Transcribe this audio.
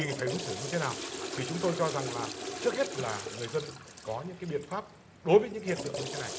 thì phải ứng xử như thế nào thì chúng tôi cho rằng là trước hết là người dân có những cái biện pháp đối với những hiện tượng như thế này